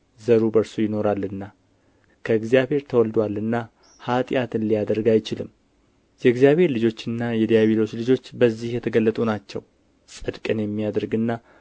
ዘሩ በእርሱ ይኖራልና ከእግዚአብሔርም ተወልዶአልና ኃጢአትን ሊያደርግ አይችልም የእግዚአብሔር ልጆችና የዲያብሎስ ልጆች በዚህ የተገለጡ ናቸው ጽድቅን የማያደርግና